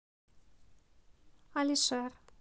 alisher